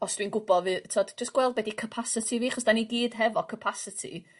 ...os dwi'n gwybod fi t'od jyst gweld be' 'di capasiti fi 'chos 'dan ni gyd hefo capasiti.